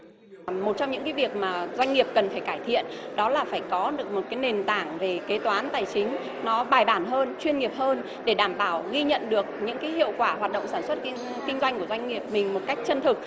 một trong những cái việc mà doanh nghiệp cần phải cải thiện đó là phải có được một cái nền tảng về kế toán tài chính nó bài bản hơn chuyên nghiệp hơn để đảm bảo ghi nhận được những cách hiệu quả hoạt động sản xuất kinh doanh của doanh nghiệp mình một cách chân thực